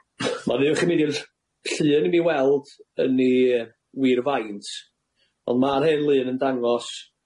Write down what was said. Maddeuwch i mi 'di'r ll- llun 'im i'w weld yn 'i wir faint, ond ma'r hen lun yn dangos